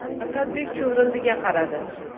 asadbek chuvrindiga qaradi